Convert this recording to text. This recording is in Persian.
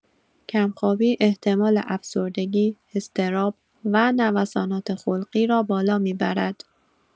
کم‌خوابی احتمال افسردگی، اضطراب و نوسانات خلقی را بالا می‌برد.